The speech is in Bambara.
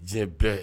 Diɲɛ bɛɛ